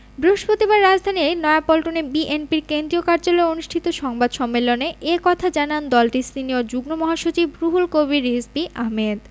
বৃহস্পতিবার রাজধানীর নয়াপল্টনে বিএনপির কেন্দ্রীয় কার্যালয়ে অনুষ্ঠিত সংবাদ সম্মেলন এ কথা জানান দলটির সিনিয়র যুগ্ম মহাসচিব রুহুল কবির রিজভী আহমেদ